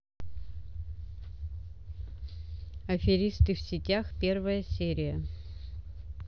аферисты в сетях первая серия